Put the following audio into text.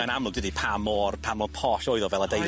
Wel mae'n amlwg dydi pa mor pa mor posh oedd o fel adeilad.